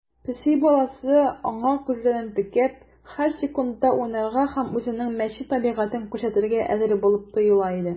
Песи баласы, аңа күзләрен текәп, һәр секундта уйнарга һәм үзенең мәче табигатен күрсәтергә әзер булып тоела иде.